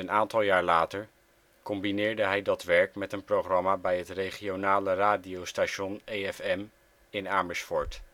aantal jaar later combineerde hij dat werk met een programma bij het regionale radiostation EFM in Amersfoort